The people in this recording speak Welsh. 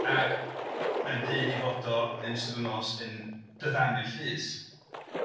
Ag mae'n dweud i fod o, yn ystod y nos, yn diddannu'r llys.